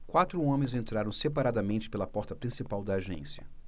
quatro homens entraram separadamente pela porta principal da agência